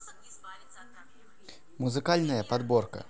музыкальная подборка